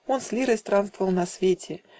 Он с лирой странствовал на свете